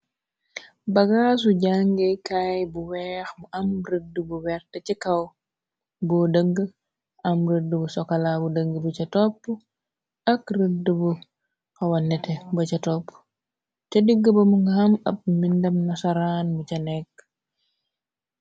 Ba gaasu jangekaay bu weex bu am rëdd bu wert ci kaw bu dëng am rëddu bu sokala bu dëng bu ca topp ak rëddu bu xawan nete bu ca topp ca digg ba mu nga am ab mbi ndem na saraan bu ca nekke.